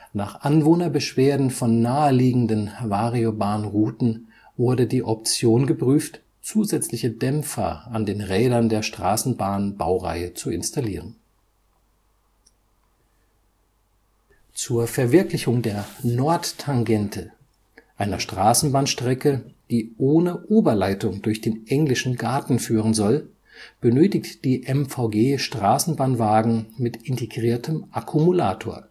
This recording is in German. Nach Anwohnerbeschwerden von naheliegenden Variobahnrouten wurde die Option geprüft, zusätzliche Dämpfer an den Rädern der Straßenbahnbaureihe zu installieren. Zur Verwirklichung der Nordtangente, einer Straßenbahnstrecke, die ohne Oberleitung durch den Englischen Garten führen soll, benötigt die MVG Straßenbahnwagen mit integriertem Akkumulator